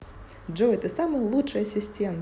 джой ты самый лучший ассистент